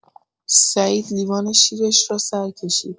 سعید لیوان شیرش را سرکشید.